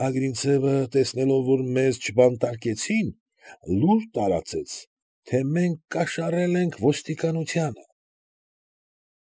Ագրինցևը, տեսնելով, որ մեզ չբանտարկեցին, լուր տարածեց, թե մենք կաշառել ենք ոստիկանությանը։